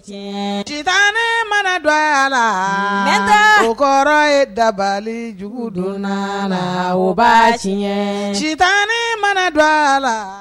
Cita mana dɔgɔ a la ne tɛ kɔrɔ ye dabalijugu donna la u ba tiɲɛ cita mana don a la